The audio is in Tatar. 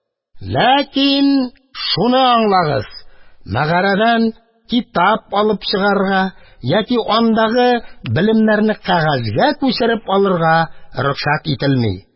Ләкин шуны аңлагыз: мәгарәдән китап алып чыгарга яки андагы белемнәрне кәгазьгә күчереп алырга рөхсәт ителми.